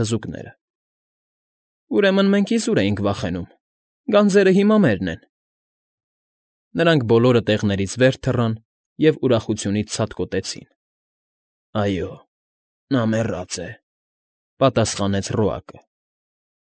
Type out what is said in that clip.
Թզուկները։֊ Ուրմեն մենք իզուր էինք վախենում, գանձերը հիմա մերն են։֊ Նրանք բոլոր տեղերից վեր թռան և ուրախությունից ցատկոտեցին։ ֊ Այո, նա մեռած է,֊ պատասխանեց Ռոակը։֊